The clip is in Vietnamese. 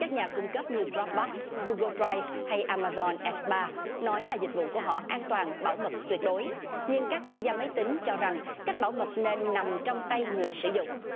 các nhà cung cấp như đờ róc bóc gu gồ tri hay hay a ma dôn ẹt ba nói là dịch vụ của họ an toàn bảo mật tuyệt đối nhưng các chuyên gia máy tính cho rằng cách bảo mật nên nằm trong tay người sử dụng